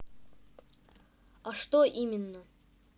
а что именно